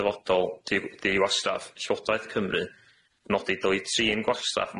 dyfodol di- diwastraff llywodraeth Cymru nodi dylid trin gwastraff